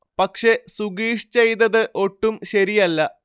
പക്ഷേ സുഗീഷ് ചെയ്തത് ഒട്ടും ശരിയല്ല